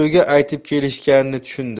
aytib kelishganini tushundi